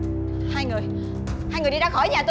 hai người đi ra khỏi nhà